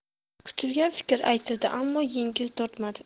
kutilgan fikr aytildi ammo yengil tortmadi